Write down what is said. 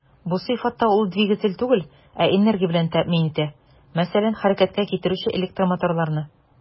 Бу сыйфатта ул двигатель түгел, ә энергия белән тәэмин итә, мәсәлән, хәрәкәткә китерүче электромоторларны.